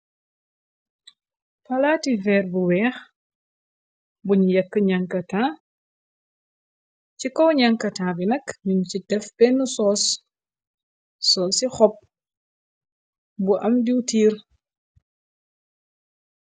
Palaati veer bu weex buñu yekk njankataan ci kow njankataan bi nak ñun ci def benn soo soo ci xop bu am duw tiir.